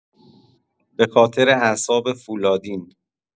به‌خاطر اعصاب فولادین